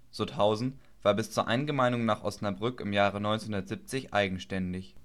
Sutthausen war bis zur Eingemeindung nach Osnabrück im Jahre 1970 eigenständig